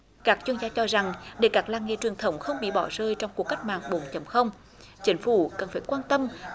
các chuyên gia cho rằng để các làng nghề truyền thống không bị bỏ rơi trong cuộc cách mạng bốn chấm không chính phủ cần phải quan tâm